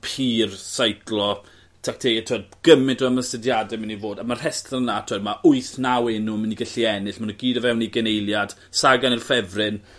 pur seiclo tactege t'wod gymint o ymosodiadau myn' i fod a ma' rhestl 'na t'wod ma' wyth naw enw myn' i gellu ennill ma' n'w gyd o fewn ugen eiliad. *Sagan yn ffefryn.